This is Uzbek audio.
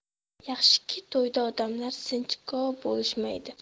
yaxshiki to'yda odamlar sinchkov bo'lishmaydi